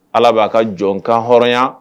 Ala b'a ka jɔn kan hɔrɔnya